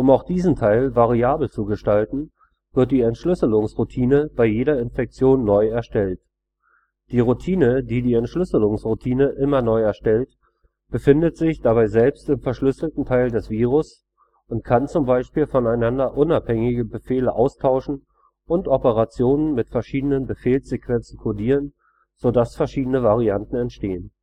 auch diesen Teil variabel zu gestalten, wird die Entschlüsselungsroutine bei jeder Infektion neu erstellt. Die Routine, die die Entschlüsselungsroutine immer neu erstellt, befindet sich dabei selbst im verschlüsselten Teil des Virus und kann zum Beispiel voneinander unabhängige Befehle austauschen und Operationen mit verschiedenen Befehlssequenzen kodieren, so dass verschiedene Varianten entstehen